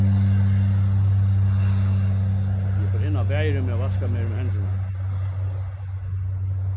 eg fór inn á baðirúmið at vaska mær um hendurnar